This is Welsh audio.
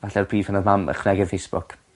falle'r pryd hwnnw odd mam ddechre gyda Facebook